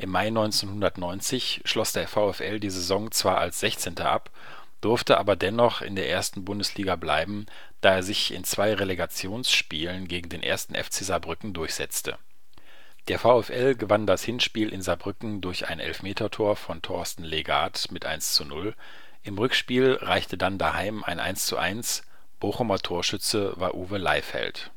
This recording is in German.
Mai 1990 schloss der VfL die Saison zwar als 16. ab, durfte aber dennoch in der 1. Bundesliga bleiben, da er sich in zwei Relegationsspielen gegen den 1. FC Saarbrücken durchsetzte. Der VfL gewann das Hinspiel in Saarbrücken durch ein Elfmetertor von Thorsten Legat mit 1:0, im Rückspiel reichte dann daheim ein 1:1, Bochumer Torschütze war Uwe Leifeld